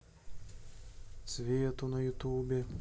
свету на ютубе